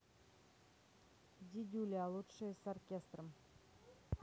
дидюля лучшее с оркестром